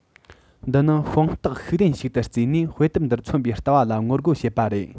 འདི ནི དཔང རྟགས ཤུགས ལྡན ཞིག ཏུ བརྩིས ནས དཔེ དེབ འདིར མཚོན པའི ལྟ བ ལ ངོ རྒོལ བྱེད པ རེད